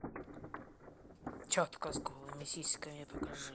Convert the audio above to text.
тетка с голыми сиськами покажи